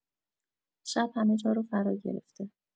شب همه جا رو فراگرفته!